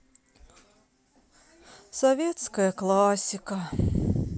советская классика